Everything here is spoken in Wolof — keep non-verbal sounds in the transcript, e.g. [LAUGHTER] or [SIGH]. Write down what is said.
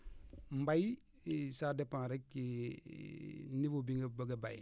mbay [HESITATION] ça dépend rek ci [HESITATION] niveau bi nga bëgg a bay